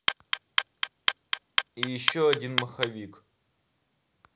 и еще один моховик